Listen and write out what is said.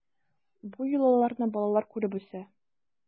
Бу йолаларны балалар күреп үсә.